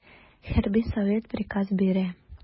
Хәрби совет приказ бирә.